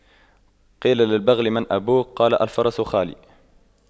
قيل للبغل من أبوك قال الفرس خالي